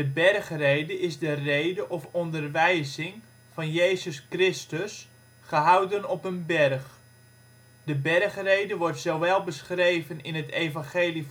Bergrede is de rede of onderwijzing van Jezus Christus gehouden op een berg. De Bergrede wordt zowel beschreven in het Evangelie